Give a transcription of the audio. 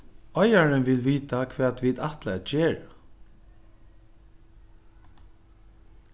eigarin vil vita hvat vit ætla at gera